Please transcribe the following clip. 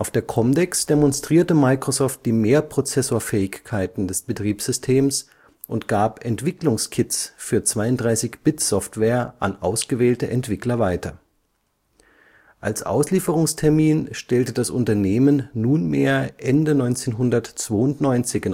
der COMDEX demonstrierte Microsoft die Mehrprozessorfähigkeiten des Betriebssystems und gab Entwicklungskits für 32-Bit-Software an ausgewählte Entwickler weiter. Als Auslieferungstermin stellte das Unternehmen nunmehr Ende 1992